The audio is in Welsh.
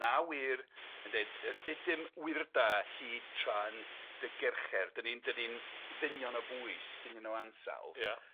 Na wir yn deud yy ydym wyrda hyd tra 'n dy gercher, dan ni'n dan ni'n ddynion o bwys, dynion o ansawdd. Ia.